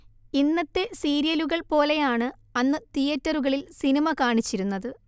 ഇന്നത്തെ സീരിയലുകൾ പോലെയാണ് അന്ന് തിയറ്റരുകളിൽ സിനിമ കാണിച്ചിരുന്നത്